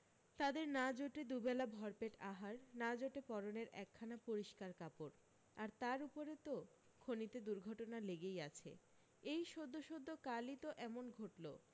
তাদের না জোটে দু বেলা ভরপেট আহার না জোটে পরনের একখানা পরিষ্কার কাপড় আর তার উপরে তো খনিতে দুর্ঘটনা লেগেই আছে এই সদ্য সদ্য কালি তো এমন ঘটল